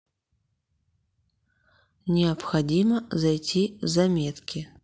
необходимо зайти в заметки